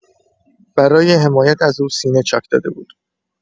برای حمایت از او، سینه‌چاک داده بود.